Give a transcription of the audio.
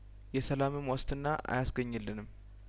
የሰላምም ዋስትና አያስገኝልንም